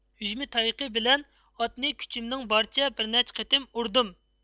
ئۈجمە تايىقى بىلەن ئاتنى كۈچۈمنىڭ بارىچە بىرنەچچە قېتىم ئۇردۇم